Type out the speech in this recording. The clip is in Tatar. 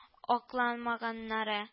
Акламаганнары